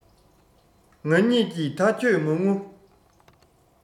ང གཉིས ཀྱིས ད ཁྱོད མ ངུ